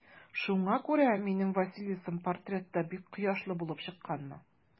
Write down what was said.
Шуңа күрә минем Василисам портретта бик кояшлы булып чыкканмы?